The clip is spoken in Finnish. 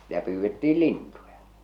sitä pyydettiin lintuja